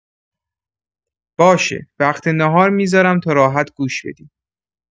باشه، وقت ناهار می‌ذارم تا راحت گوش بدیم.